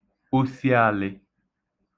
osịālị̄